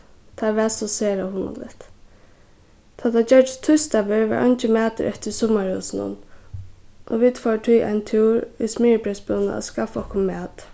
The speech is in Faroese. tað var so sera hugnaligt tá tað gjørdist týsdagur var eingin matur eftir í summarhúsinum og vit fóru tí ein túr í smyrjibreyðsbúðina at skaffa okkum mat